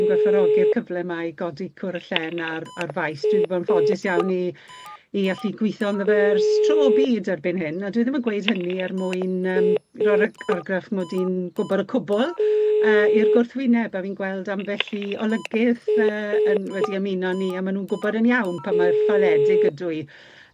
Fi'n gwerthfawrogi'r cyfle 'ma i godi cwr y llen ar ar faes dwi 'di bod yn ffodus iawn i i allu gwitho ynddo fe ers tro byd erbyn hyn a dwi ddim yn gweud hynny er mwyn yym roi'r yr argraff mod i'n gwbod y cwbwl yy i'r gwrthwyneb, a fi'n gweld ambell i olygydd yy yn wedi ymuno â ni, a ma' nw'n gwbod yn iawn pa mor ffaeledig ydw i .